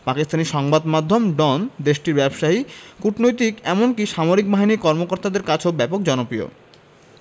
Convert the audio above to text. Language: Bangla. পাকিস্তানি সংবাদ মাধ্যম ডন দেশটির ব্যবসায়ী কূটনীতিক এমনকি সামরিক বাহিনীর কর্মকর্তাদের কাছেও ব্যাপক জনপ্রিয়